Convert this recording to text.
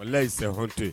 Wala ye saha tɛ